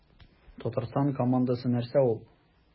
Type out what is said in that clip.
Татарстан командасы нәрсә ул?